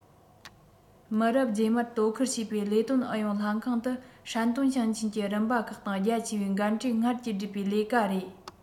མི རབས རྗེས མར དོ ཁུར བྱེད པའི ལས དོན ཨུ ཡོན ལྷན ཁང དུ ཧྲན ཏུང ཞིང ཆེན གྱི རིམ པ ཁག དང རྒྱ ཆེའི རྒན གྲས ལྔར ཀྱིས བསྒྲུབས པའི ལས ཀ རེད